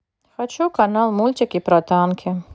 хочу канал мультики про танки